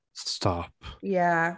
Stop... Ie.